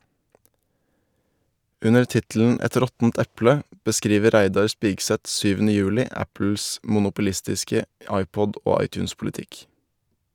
Under tittelen "Et råttent eple" beskriver Reidar Spigseth 7. juli Apples monopolistiske iPod- og iTunes-politikk.